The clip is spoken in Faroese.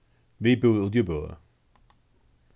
vit búðu úti í bø